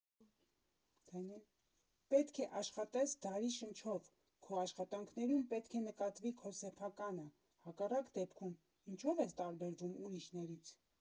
Պետք է աշխատես դարի շնչով, քո աշխատանքներում պետք է նկատվի քո սեփականը, հակառակ դեպքում՝ ինչո՞վ ես տարբերվում ուրիշներից։